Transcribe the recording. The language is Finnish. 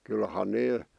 kyllähän ne